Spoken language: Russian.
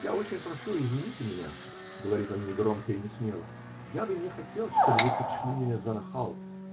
-- Я очень прошу, извините меня, -- говорит он негромко и несмело, -- я бы не хотел, чтобы вы сочли меня за нахал